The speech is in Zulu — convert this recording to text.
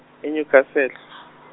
e- Newcastle.